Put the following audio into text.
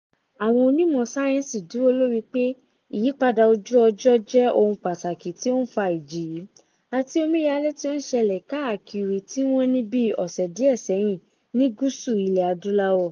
Àwọn onímọ̀ sáyẹ́ǹsì dúró lórí pé ìyípadà ojú ọjọ́ jẹ́ ohun pàtàkì tí ó ń fa ìjì yìí àti omíyalé tí ó ń ṣẹlẹ̀ káàkiri tí wọ́n ní bíi ọ̀sẹ̀ díẹ̀ sẹ́yìn ní gúúsù ilẹ̀ Adúláwò.